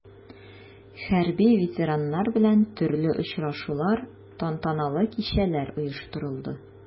Хәрби ветераннар белән төрле очрашулар, тантаналы кичәләр оештырылды.